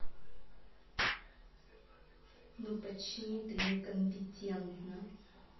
ну почему ты некомпетентна